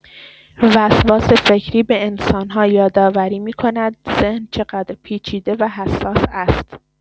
وسواس فکری به انسان‌ها یادآوری می‌کند ذهن چقدر پیچیده و حساس است.